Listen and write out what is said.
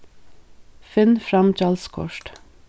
finn fram gjaldskort